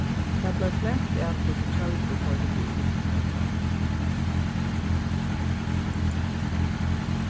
tað bleiv flent at hvussu kjølbro koyrdi bil